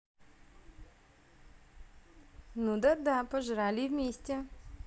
ну да да поржали вместе